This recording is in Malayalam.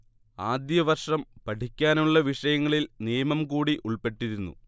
ആദ്യവർഷം പഠിക്കാനുള്ള വിഷയങ്ങളിൽ നിയമം കൂടി ഉൾപ്പെട്ടിരുന്നു